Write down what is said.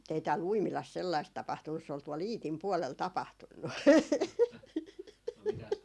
mutta ei täällä Uimilassa sellaista tapahtunut se oli tuolla Iitin puolella tapahtunut